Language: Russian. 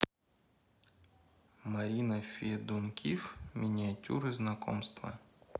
марина федункив миниатюры знакомства